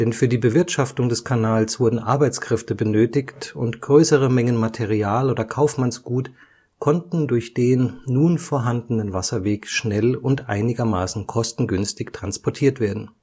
für die Bewirtschaftung des Kanals wurden Arbeitskräfte benötigt und größere Mengen Material oder Kaufmannsgut konnten durch den nun vorhandenen Wasserweg schnell und einigermaßen kostengünstig transportiert werden